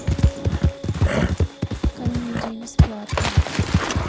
комедии бесплатные